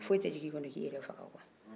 foyi tɛ jigin i kɔnɔ i k'i yɛrɛ faga kɔ